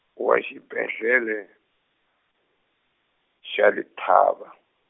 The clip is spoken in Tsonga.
wa xibedlhele, xa Letaba.